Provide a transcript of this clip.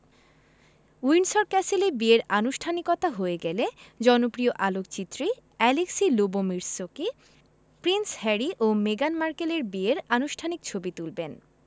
Windsor ক্যাসেলে বিয়ের আনুষ্ঠানিকতা হয়ে গেলে জনপ্রিয় আলোকচিত্রী অ্যালেক্সি লুবোমির্সকি প্রিন্স হ্যারি ও মেগান মার্কেলের বিয়ের আনুষ্ঠানিক ছবি তুলবেন